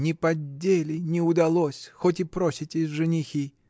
Не поддели, не удалось: хоть и проситесь в женихи!